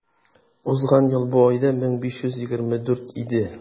Узган ел бу айда 1524 иде.